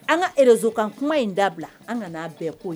An ka ɛrɛzsono kan kuma in dabila an ka n'a bɛɛ ko ye